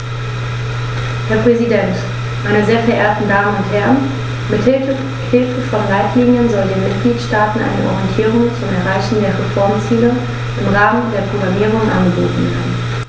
Herr Präsident, meine sehr verehrten Damen und Herren, mit Hilfe von Leitlinien soll den Mitgliedstaaten eine Orientierung zum Erreichen der Reformziele im Rahmen der Programmierung angeboten werden.